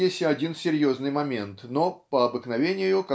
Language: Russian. в пьесе один серьезный момент но по обыкновению